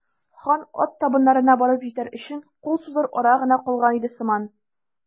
Хан ат табыннарына барып җитәр өчен кул сузыр ара гына калган иде сыман.